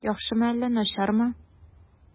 Яхшымы әллә начармы?